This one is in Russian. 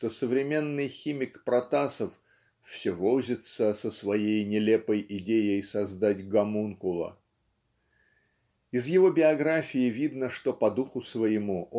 что современный химик Протасов "все возится со своей нелепой идеей создать гомункула". Из его биографии видно что по духу своему